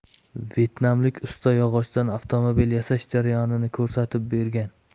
vyetnamlik usta yog'ochdan avtomobil yasash jarayonini ko'rsatib bergan